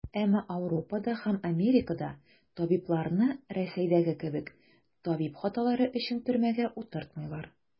Әмма Ауропада һәм Америкада табибларны, Рәсәйдәге кебек, табиб хаталары өчен төрмәгә утыртмыйлар.